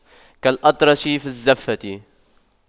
كالأطرش في الزَّفَّة